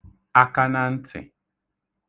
akanantị̀